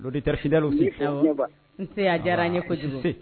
L'auditeur fidèle aussi awɔ ne ba nsee a diyara n ye kojugu